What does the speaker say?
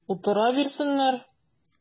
Утыра бирсеннәр!